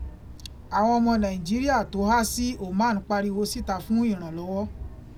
Àwọn ọmọ Nàìjíríà tó há sí Oman pariwo síta fún ìrànlọ́wọ́.